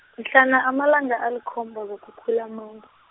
mhlana amalanga alikhomba kuKhukhulamungu.